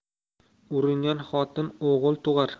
uringan xotin o'g'il tug'ar